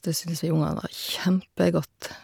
Det syns vi ungene var kjempegodt.